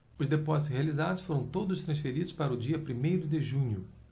os depósitos realizados foram todos transferidos para o dia primeiro de junho